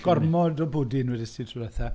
Gormod o bwdin wedest ti tro diwethaf.